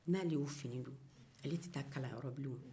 n'a le ye p fini don ale tɛ taa kalanyɔrɔ bilen woo